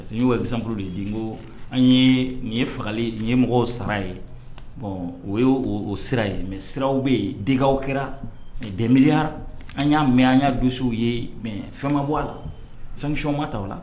Parce que' walisan de ko an nin ye fagali nin ye mɔgɔw sara ye bɔn o ye o sira ye mɛ siraw bɛ denkɛ kɛra mɛ deneliya an y'a mɛ an y'a dusuw ye mɛ fɛn ka bɔ a la fɛnsiw ka t'aw la